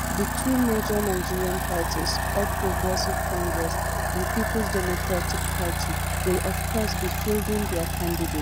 The two major Nigerian parties, All Progressive Congress and Peoples Democratic Party, will, of course, be fielding their candidates: